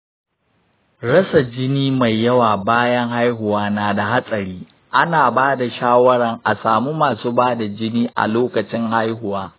rasa jini mai yawa bayan haihuwa yana da hatsari, ana bada shawaran a samu masu bada jini a lokacin haihuwa